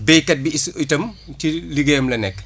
béykat bi aussi i tam ci liggéeyam la nekk